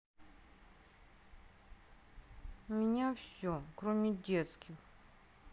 у меня все кроме детских